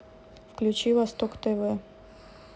включи восток тв